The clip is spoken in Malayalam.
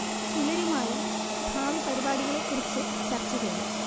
ചിലരുമായി ഭാവി പരിപാടികളെ കുറിച്ച് ചർച്ചചെയ്യാം